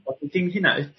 dim hyna